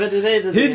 Be dwi'n ddeud ydy...